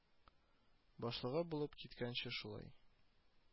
Башлыгы булып киткәнче шулай